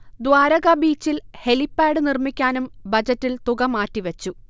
ദ്വാരകാ ബീച്ചിൽ ഹെലിപ്പാഡ് നിർമിക്കാനും ബജറ്റിൽ തുക മാറ്റിവെച്ചു